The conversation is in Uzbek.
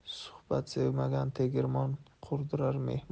suhbat sevmagan tegirmon qurdirar